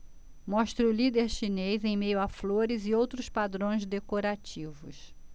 mostra o líder chinês em meio a flores e outros padrões decorativos